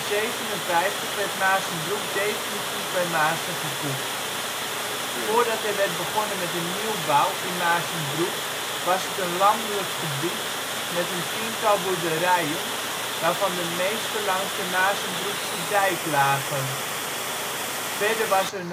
1857 werd Maarssenbroek definitief bij Maarssen gevoegd. Voordat er werd begonnen met de nieuwbouw in Maarssenbroek was het een landelijk gebied met een tiental boerderijen waarvan de meeste langs de Maarsebroeksedijk lagen. Verder was